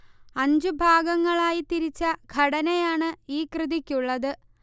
അഞ്ചു ഭാഗങ്ങളായി തിരിച്ച ഘടനയാണ് ഈ കൃതിക്കുള്ളത്